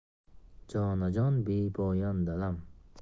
jonajon bepoyon dalam